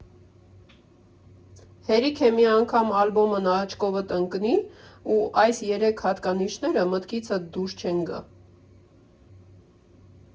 Հերիք է մի անգամ ալբոմն աչքովդ ընկնի, ու այս երեք հատկանիշները մտքիցդ դուրս չեն գա։